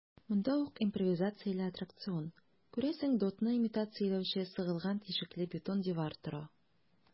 Монда ук импровизацияле аттракцион - күрәсең, дотны имитацияләүче сыгылган тишекле бетон дивар тора.